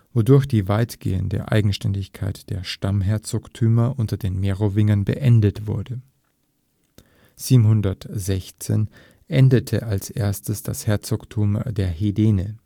wodurch die weitgehende Eigenständigkeit der Stammesherzogtümer unter den Merowingern beendet wurde. 716 endete als erstes das Herzogtum der Hedene